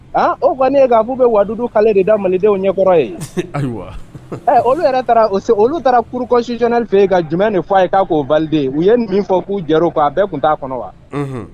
Aa o g ne e kan k'u bɛ wagadu kɛlenle de da malidenw ɲɛ kɔrɔ ye ayiwa olu yɛrɛ taara o se olu taara kuruksitli fɛ yen ka jumɛn de f fɔ a ye k'a koo baliden u ye min fɔ k'u jara a bɛɛ tun t' a kɔnɔ wa